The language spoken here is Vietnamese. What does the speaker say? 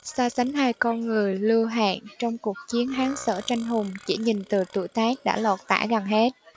so sánh hai con người lưu hạng trong cuộc chiến hán sở tranh hùng chỉ nhìn từ tuổi tác đã lột tả gần hết